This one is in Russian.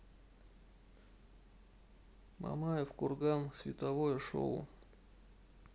мамаев курган световое шоу